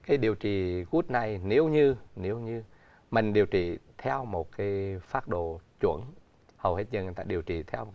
cái điều trị gút này nếu như nếu như mình điều trị theo một cái phác đồ chuẩn hầu hết giờ người ta điều trị theo